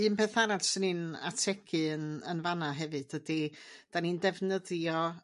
Un peth arall 'swn i'n ategu yn yn fan 'na hefyd ydi 'dan ni'n defnyddio